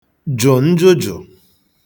jụ̀ njujù